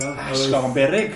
Oedd… Esgob yn beryg!